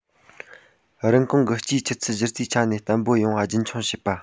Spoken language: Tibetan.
རིན གོང གི སྤྱིའི ཆུ ཚད གཞི རྩའི ཆ ནས བརྟན པོ ཡོང བ རྒྱུན འཁྱོངས བྱས པ